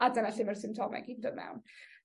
A dyna lle ma'r symptome gyd yn dod mewn.